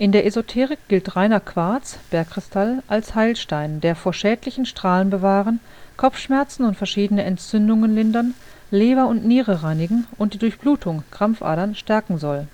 der Esoterik gilt reiner Quarz (Bergkristall) als Heilstein, der vor schädlichen Strahlen bewahren, Kopfschmerzen und verschiedene Entzündungen lindern, Leber und Niere reinigen und die Durchblutung (Krampfadern) stärken soll